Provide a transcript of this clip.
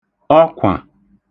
ọk̇wà